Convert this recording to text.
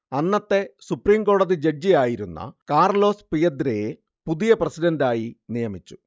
അന്നത്തെ സുപ്രീം കോടതി ജഡ്ജിയായിരുന്ന കാർലോസ് പിയദ്രയെ പുതിയ പ്രസിഡന്റായി നിയമിച്ചു